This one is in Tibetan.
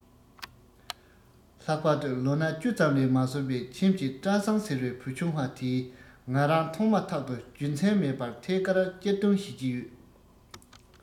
ལྷག པར དུ ལོ ན བཅུ ཙམ ལས མ སོན པའི ཁྱིམ གྱི བཀྲ བཟང ཟེར བའི བུ ཆུང བ དེས ང རང མཐོང མ ཐག རྒྱུ མཚན མེད པར ཐད ཀར གཅར རྡུང བྱེད ཀྱི རེད